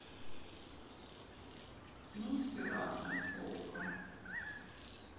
носферато окко